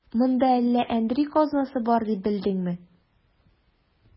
Монда әллә әндри казнасы бар дип белдеңме?